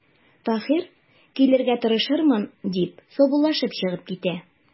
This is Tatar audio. Таһир:– Килергә тырышырмын,– дип, саубуллашып чыгып китә.